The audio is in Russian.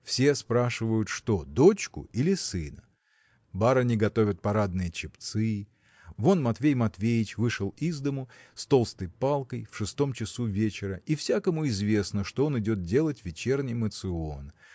Все спрашивают что: дочку или сына? Барыни готовят парадные чепцы. Вон Матвей Матвеич вышел из дому с толстой палкой в шестом часу вечера и всякому известно что он идет делать вечерний моцион